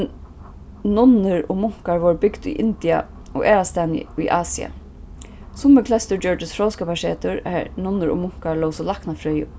nunnur og munkar vóru bygd í india og aðrastaðni í asia summi kleystur gjørdust fróðskaparsetur har nunnur og munkar lósu læknafrøði